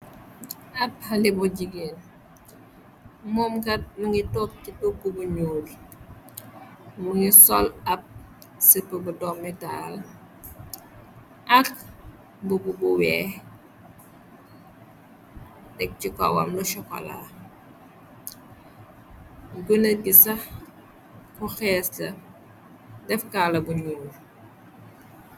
Ab xale bu jigeen, moomkat mingi tog ci toogu bu ñuul, mu ngi sol ab sippu bu dometaal ak mbubu bu weex, teg ci kawam lu sokola, gonne gi sax ku xees la, def kaala gu ñuul.